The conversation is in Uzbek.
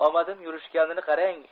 omadim yurishganini qarang